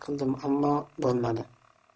qildim ammo bo'lmadi